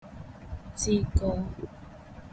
tị̀kọ